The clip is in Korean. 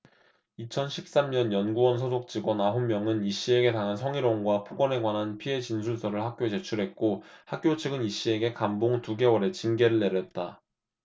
이천 십 삼 년 연구원 소속 직원 아홉 명은 이씨에게 당한 성희롱과 폭언에 관한 피해 진술서를 학교에 제출했고 학교 측은 이씨에게 감봉 두 개월의 징계를 내렸다